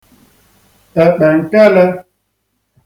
èkpènkelē